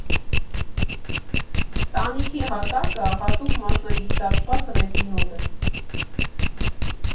Տանիքի հատակը հատուկ մասնագիտացված ռետինով է։